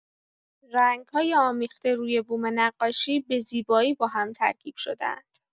رنگ‌های آمیخته روی بوم نقاشی به زیبایی با هم ترکیب شده‌اند.